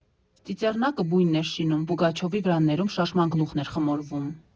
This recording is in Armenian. Ծիծեռնակը բույն էր շինում, «Պուգաչովի վրաններում» շարժման գլուխն էր խմորվում։